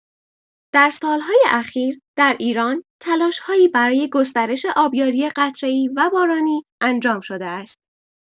در سال‌های اخیر در ایران تلاش‌هایی برای گسترش آبیاری قطره‌ای و بارانی انجام شده است.